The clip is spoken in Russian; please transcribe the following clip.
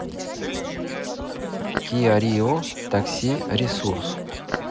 киа рио такси ресурс